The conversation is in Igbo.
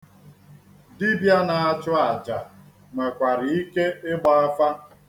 Dibịa na-achụ aja nwekwara ike ịgba afa.